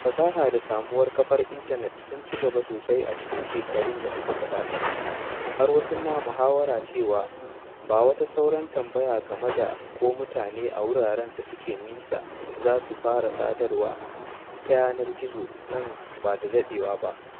Fasaha da samuwar kafar intanet sun ci gaba sosai a cikin shekarun da suka gabata, har wasu na muhawara cewa ba wata sauran tambaya game da ko mutane a wuraren da suke nisa za su fara sadarwa ta yanar gizo nan ba da daɗewa ba.